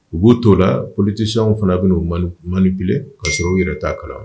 U b'u too la politisiw fana bɛo mali bilen kaa sɔrɔ u yɛrɛ t'a kalan